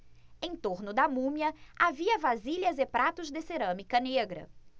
em torno da múmia havia vasilhas e pratos de cerâmica negra